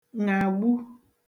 ṅàgbu